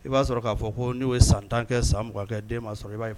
I b'a sɔrɔ k'a fɔ ko n'o ye san tan kɛ sanugankɛ den m'a sɔrɔ i b'a fɛ